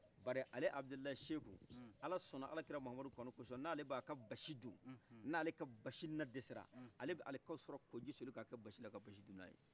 bari ale abudulayi seku alasɔnna alakira muhamadu kanu kɔsɔ n'ale b'aka basi dun n'ale ka na dɛsɛra ale b'alikawusara kɔji soli ka basi dunnaye